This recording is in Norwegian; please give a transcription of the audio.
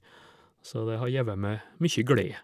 Så det har gjeve meg mye glede.